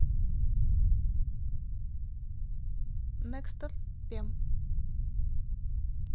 некстер пем